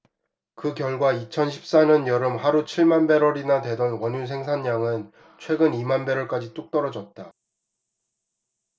그 결과 이천 십 사 년 여름 하루 칠 만 배럴이나 되던 원유 생산량은 최근 이 만 배럴까지 뚝 떨어졌다